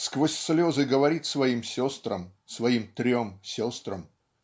сквозь слезы говорит своим сестрам своим трем сестрам